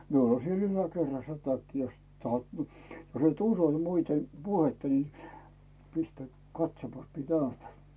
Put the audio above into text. minulla on siellä yläkerrassa takki jos tahdot niin jos et usko niin muiden puhetta niin pistäydy katsomassa minä näytän